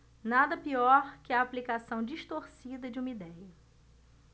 nada pior que a aplicação distorcida de uma idéia